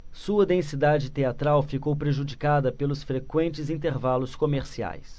sua densidade teatral ficou prejudicada pelos frequentes intervalos comerciais